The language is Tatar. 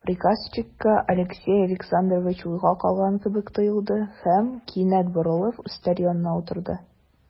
Приказчикка Алексей Александрович уйга калган кебек тоелды һәм, кинәт борылып, өстәл янына утырды.